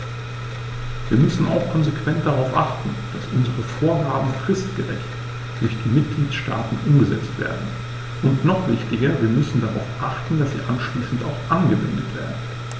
Wir müssen auch konsequent darauf achten, dass unsere Vorgaben fristgerecht durch die Mitgliedstaaten umgesetzt werden, und noch wichtiger, wir müssen darauf achten, dass sie anschließend auch angewendet werden.